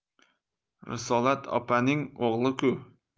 risolat opaning o'g'li ku